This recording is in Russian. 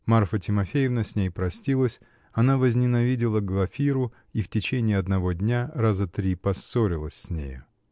Марфа Тимофеевна с ней простилась: она возненавидела Глафиру и в течение одного дня раза три поссорилась с нею.